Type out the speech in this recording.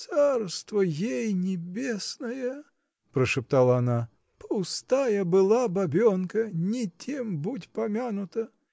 -- Царство ей небесное, -- прошептала она, -- пустая была бабенка -- не тем будь помянута.